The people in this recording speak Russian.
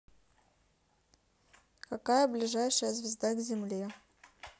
какая ближайшая звезда к земле